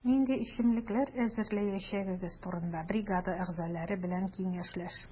Нинди эчемлекләр әзерләячәгегез турында бригада әгъзалары белән киңәшләш.